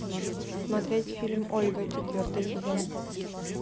смотреть фильм ольга четвертый сезон